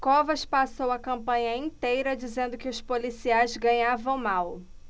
covas passou a campanha inteira dizendo que os policiais ganhavam mal